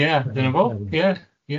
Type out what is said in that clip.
Ie dyna fo ie ie.